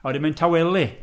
A wedyn mae'n tawelu.